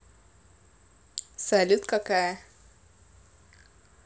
салют какая